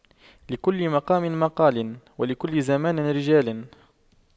لكل مقام مقال ولكل زمان رجال